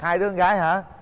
hai đứa con gái hả